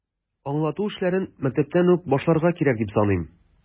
Аңлату эшләрен мәктәптән үк башларга кирәк, дип саныйм.